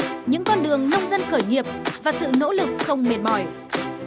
những con đường nông dân khởi nghiệp và sự nỗ lực không mệt mỏi